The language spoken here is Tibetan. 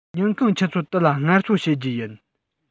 ཉིན གུང ཆུ ཚོད དུ ལ ངལ གསོ བྱེད རྒྱུ ཡིན